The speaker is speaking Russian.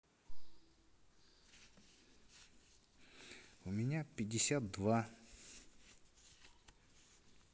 у меня пятьдесят два